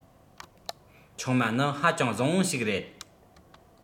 ཆུང མ ནི ཧ ཅང བཟང བོ ཞིག རེད